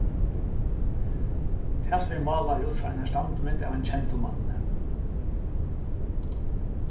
tað sum vit mála er út frá einari standmynd av einum kendum manni